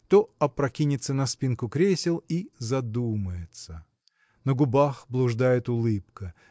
то опрокинется на спинку кресел и задумается. На губах блуждает улыбка